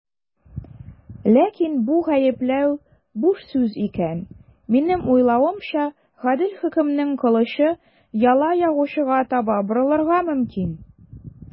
Ләкин бу гаепләү буш сүз икән, минем уйлавымча, гадел хөкемнең кылычы яла ягучыга таба борылырга мөмкин.